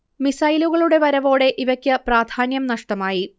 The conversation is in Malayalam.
മിസൈലുകളുടെ വരവോടെ ഇവയ്ക്കു പ്രാധാന്യം നഷ്ടമായി